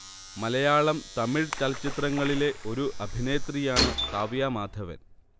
മലയാളം തമിഴ് ചലച്ചിത്രങ്ങളിലെ ഒരു അഭിനേത്രിയാണ് കാവ്യ മാധവൻ